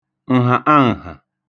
ǹhàṫaǹhà